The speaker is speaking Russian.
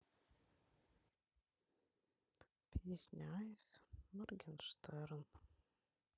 песня айс моргенштерн